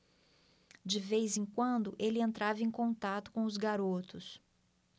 de vez em quando ele entrava em contato com os garotos